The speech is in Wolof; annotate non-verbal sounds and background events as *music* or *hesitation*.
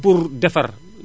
pour *hesitation* defar